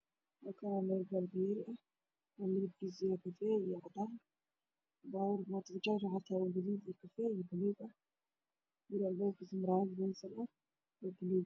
Halkaan waa meel mubiyeeri ah midabkiisu waa kafay iyo cadaan, waxaa taagan mooto bajaaj kafay, gaduud iyo buluug ah, guriga albaabkiisa waa muraayad beensal ah oo gaduud ah.